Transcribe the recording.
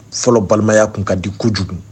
Fɔlɔ balimaya tun ka di kojugu